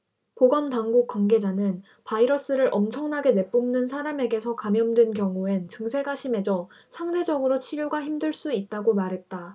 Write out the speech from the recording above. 보건당국 관계자는 바이러스를 엄청나게 내뿜는 사람에게서 감염된 경우엔 증세가 심해져 상대적으로 치료가 힘들 수 있다고 말했다